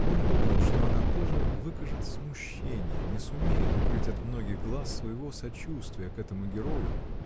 Он думал, что она тоже выкажет смущение, не сумеет укрыть от многих глаз своего сочувствия к этому герою